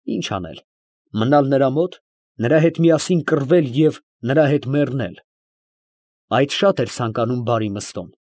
Ի՞նչ անել. մնալ նրա մոտ, նրա հետ միասին կռվել և նրա հետ մեռնել. ֊ այդ շատ էր ցանկանում բարի Մըստոն։